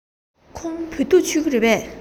ཁོང བོད ཐུག མཆོད ཀྱི རེད པས